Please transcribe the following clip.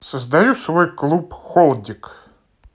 создаю свой клуб холдик